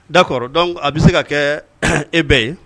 Da kɔrɔ dɔn a bɛ se ka kɛ e bɛɛ ye